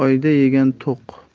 oyda yegan to'q